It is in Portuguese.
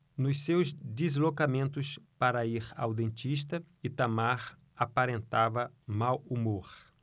nos seus deslocamentos para ir ao dentista itamar aparentava mau humor